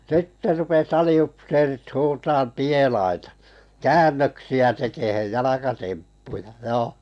sitten rupesi aliupseerit huutamaan pielaita käännöksiä tekemään jalkatemppuja joo